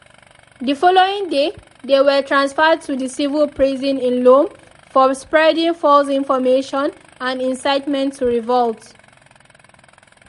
The following day, they were transferred to the civil prison in Lomé for spreading false information and incitement to revolt.